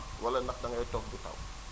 wala ndax da ngay toog du taw